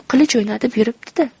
qilich o'ynatib yuribdi da